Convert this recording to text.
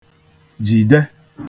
jide